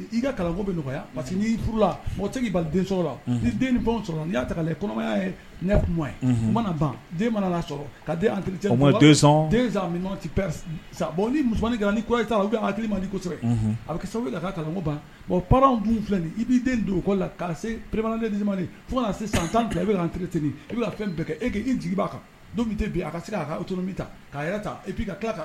I ka bɛ nɔgɔya ma n'i' den den sɔrɔ n y'a ta kɔnɔmaya ye kuma ye mana ban mana kaɛ sa bɔn ni ni bɛ hakililimadi ko kosɛbɛ a bɛ sababu ka kako ban p filɛ i b'i den duguko la karisabaden nimani fo se san tan i bɛ an teri ten i bɛ fɛn bɛɛ kɛ e i jigi b'a kan bi a ka se k' t bɛ ta k'a yɛrɛ ta ii ka tila kan